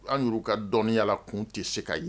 An y'u ka dɔnniyala kun tɛ se ka yen